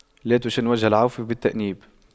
لا تشن وجه العفو بالتأنيب